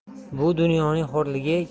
bu dunyoning xo'rligi